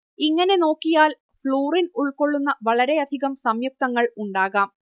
ഇങ്ങനെ നോക്കിയാൽ ഫ്ലൂറിൻ ഉൾക്കൊള്ളുന്ന വളരെയധികം സംയുക്തങ്ങൾ ഉണ്ടാകാം